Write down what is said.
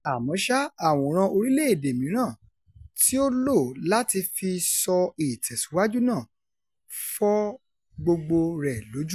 Àmọ́ ṣá, àwòrán orílẹ̀-èdè mìíràn tí ó lò láti fi sọ "ìtẹ̀síwájú" náà, fọ́ gbogbo rẹ̀ lójú.